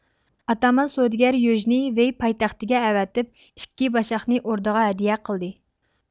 ئاتامان سودىگەر يۆجنى ۋېي پايتەختىگە ئەۋەتىپ ئىككى باشاقنى ئوردىغا ھەدىيە قىلدى